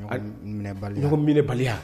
A minɛbaliya